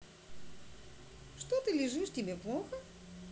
что ты лежишь тебе плохо